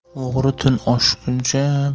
o'g'ri tun oshguncha